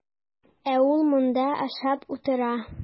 Ә ул монда ашап утыра.